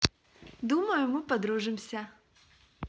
думаю мы подружимся